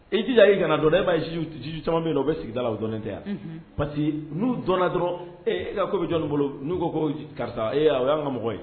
I jija y'i kana dɔn e b'atu caman min na o bɛ sigida o dɔn tɛ yan parce que n'u dɔn dɔrɔn ko bɛ jɔn bolo n'u ko ko karisa ee aw y' an ka mɔgɔ ye